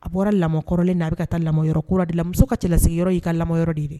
A bɔra lamɔkɔrɔlen' a bɛ ka taa lamɔ de la muso ka cɛlasigi yɔrɔ y' ka lamɔ yɔrɔ de yen